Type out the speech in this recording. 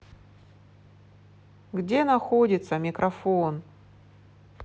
где находится микрофон